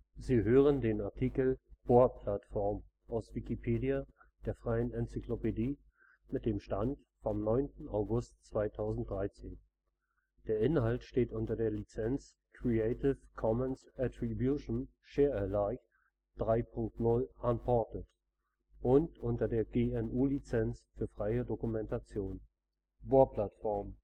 Sie hören den Artikel Bohrplattform, aus Wikipedia, der freien Enzyklopädie. Mit dem Stand vom Der Inhalt steht unter der Lizenz Creative Commons Attribution Share Alike 3 Punkt 0 Unported und unter der GNU Lizenz für freie Dokumentation. Ölbohrinsel Mittelplate in der Nordsee 1 – Plattform, 2 – Deckschicht, 3 – unterschiedliche Bohrungen, 4 – ölhaltige Schicht Eine Bohrplattform